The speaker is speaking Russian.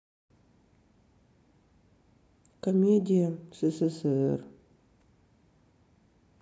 комедия ссср